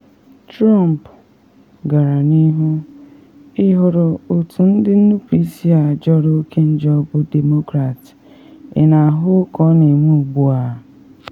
Trump gara n’ihu, “Ị hụrụ otu ndị nnupu isi a jọrọ oke njọ bụ Demokrats, ị na ahụ ka ọ na eme ugbu a.